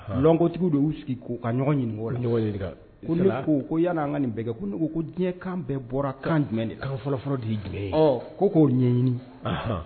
Lɔngotigiw de y'u sigi k'u ka ɲɔgɔn ɲinika o la, ko yani an ka nin bɛkɛ ko ne ko diɲɛkan bɛɛ bɔra kan jumɛn de la, a fɔlɔfɔlɔ de ye jumɛn ye ko k'o ɲɛɲini.anhaa.